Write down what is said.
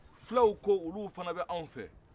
fulaw ko olu fana bɛ anw fɛ